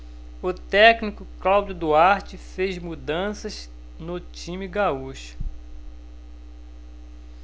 o técnico cláudio duarte fez mudanças no time gaúcho